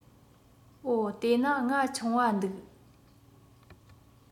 འོ དེས ན ང ཆུང བ འདུག